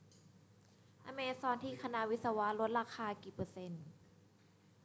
อเมซอนที่คณะวิศวะลดราคากี่เปอร์เซ็นต์